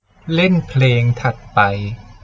เล่นเพลงถัดไป